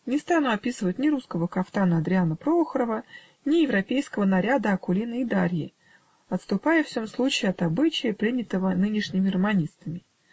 Не стану описывать ни русского кафтана Адрияна Прохорова, ни европейского наряда Акулины и Дарьи, отступая в сем случае от обычая, принятого нынешними романистами.